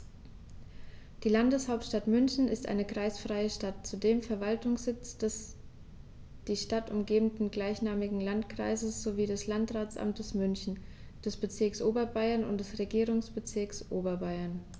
Die Landeshauptstadt München ist eine kreisfreie Stadt, zudem Verwaltungssitz des die Stadt umgebenden gleichnamigen Landkreises sowie des Landratsamtes München, des Bezirks Oberbayern und des Regierungsbezirks Oberbayern.